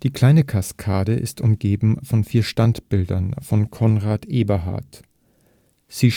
kleine Kaskade ist umgeben von vier Standbildern von Konrad Eberhard. Sie